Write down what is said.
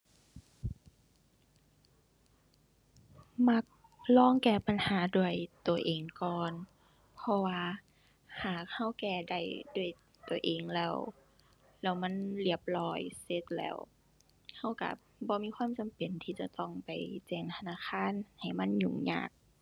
มักลองแก้ปัญหาด้วยตัวเองก่อน เพราะว่าหากตัวแก้ได้ด้วยตัวเองแล้ว แล้วมันเรียบร้อยเสร็จแล้ว ตัวตัวบ่มีความจำเป็นที่จะต้องไปแจ้งธนาคารให้มันยุ่งยาก